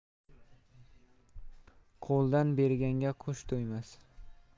qo'ldan berganga qush to'ymas